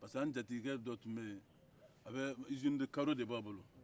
parce que an jatigikɛ dɔ tun bɛ yen karobilan izini de b'a bolo